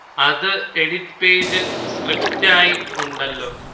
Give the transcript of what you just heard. അത് എഡിറ്റ് പേജിൽ സ്ക്രിപ്റ്റ് ആയി ഉണ്ടല്ലോ